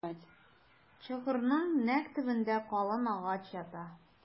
Чокырның нәкъ төбендә калын агач ята.